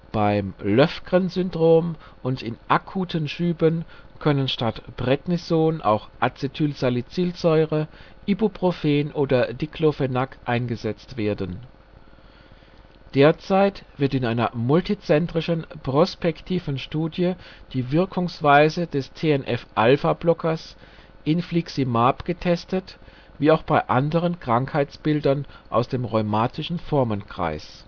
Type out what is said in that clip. Beim Löfgren-Syndrom und in akuten Schüben können statt Prednison auch Acetylsalicylsäure, Ibuprofen oder Diclofenac eingesetzt werden. Derzeit wird in einer multizentrischen, prospektiven Studie die Wirkungsweise des TNF-α-Blocker Infliximab getestet, wie auch bei anderen Krankheitsbildern aus dem rheumatischen Formenkreis